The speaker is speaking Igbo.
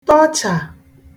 tọchà